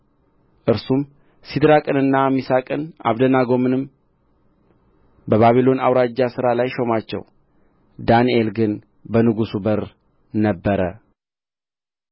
እርሱም ሲድራቅንና ሚሳቅን አብደናጎንም በባቢሎን አውራጃ ሥራ ላይ ሾማቸው ዳንኤል ግን በንጉሡ በር ነበረ